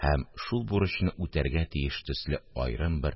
Һәм шул бурычны үтәргә тиеш төсле аерым бер